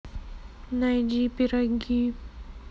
найди пироги